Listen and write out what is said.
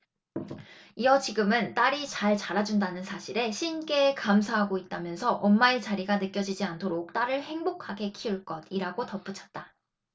이어 지금은 딸이 잘 자라준다는 사실에 신께 감사하고 있다 면서 엄마의 자리가 느껴지지 않도록 딸을 행복하게 키울 것 이라고 덧붙였다